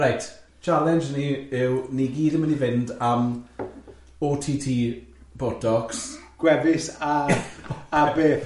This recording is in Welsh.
Reit, challenge ni yw, ni gyd yn mynd i fynd am o ti ti botox, gwefus a a beth?